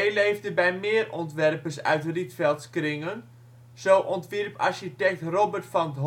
leefde bij meer ontwerpers uit Rietvelds kringen, zo ontwierp architect Robert van